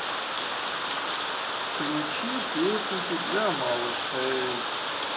включи песенки для малышей